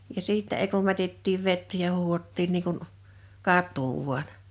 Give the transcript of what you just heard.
ja sitten ei kun mätettiin vettä ja huuhdottiin niin kuin katua vain